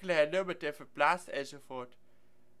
hernummerd en verplaatst, enzovoorts.